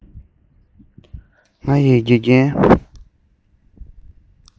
ང ཡི དགེ རྒན